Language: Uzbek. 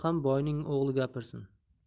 ham boyning o'g'li gapirsin